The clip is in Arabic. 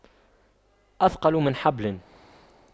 أثقل من جبل